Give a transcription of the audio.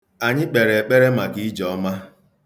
Anyị kpere ekpere maka ijeọma.